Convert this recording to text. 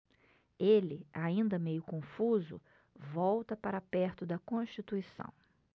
ele ainda meio confuso volta para perto de constituição